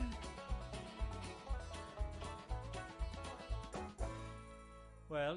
Wel...